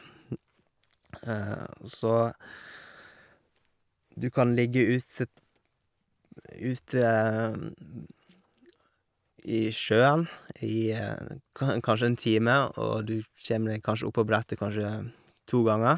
Så du kan ligge ute ute i sjøen i en kan kanskje en time, og du kjeme deg kanskje opp på brettet kanskje to ganger.